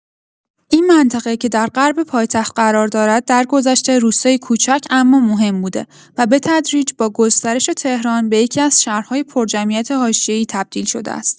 این منطقه که در غرب پایتخت قرار دارد، درگذشته روستایی کوچک اما مهم بوده و به‌تدریج با گسترش تهران، به یکی‌از شهرهای پرجمعیت حاشیه‌ای تبدیل شده است.